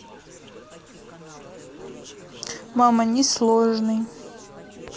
мама несложный